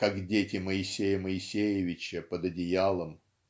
как дети Моисея Моисеевича под одеялом".